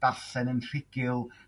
Darllen yn rhugl?